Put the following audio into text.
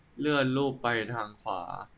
เลื่อนรูปไปทางขวา